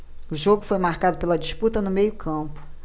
o jogo foi marcado pela disputa no meio campo